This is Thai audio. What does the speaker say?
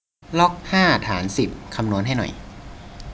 ล็อกห้าฐานสิบคำนวณให้หน่อย